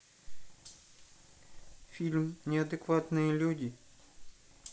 фильм неадекватные люди